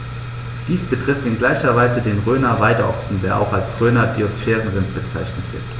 Dies betrifft in gleicher Weise den Rhöner Weideochsen, der auch als Rhöner Biosphärenrind bezeichnet wird.